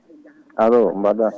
alo mbaɗɗa